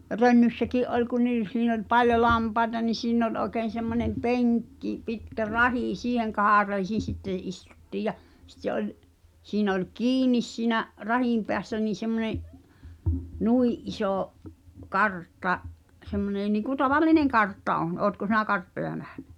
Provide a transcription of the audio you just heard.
Rönnyssäkin oli kun niissä siinä oli paljon lampaita niin siinä oli oikein semmoinen penkki pitkä rahi siihen kahareisin sitten istuttiin ja sitten oli siinä oli kiinni siinä rahin päässä niin semmoinen niin iso kartta semmoinen niin kuin tavallinen kartta on oletko sinä karttoja nähnyt